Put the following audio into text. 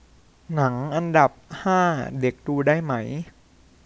หนังอันดับห้าเด็กดูได้ไหม